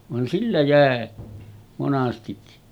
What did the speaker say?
vaan sillä jäi monastikin